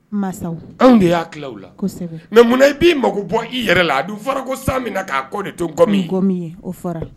Masa anw de y'a ki la kosɛbɛ mɛ munna i'i mako bɔ i yɛrɛ la a fɔra ko sa min na k'a kɔ to